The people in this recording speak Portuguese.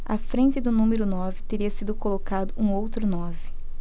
à frente do número nove teria sido colocado um outro nove